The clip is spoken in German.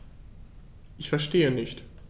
Ich verstehe nicht.